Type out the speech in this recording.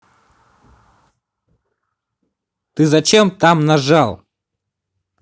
ты зачем там нажал